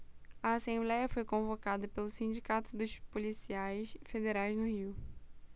a assembléia foi convocada pelo sindicato dos policiais federais no rio